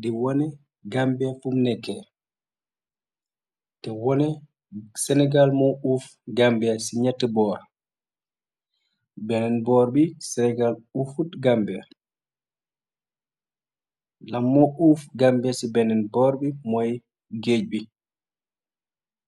Di wone gambia fum nekke. Te wone senegal moo uuf gambia ci nett boor. Benneen boor bi senegal ufuod gambia. Lan moo uuf gambia ci beneen boor bi mooy géej bi